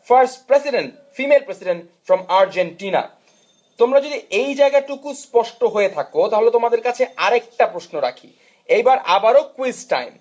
first president female president from Argentina তোমরা যদি এই জায়গাটুকু স্পষ্ট হয়ে থাকো তাহলে তোমাদের কাছে আরেকটা প্রশ্ন রাখি এবার আবারও কুইজ টাইম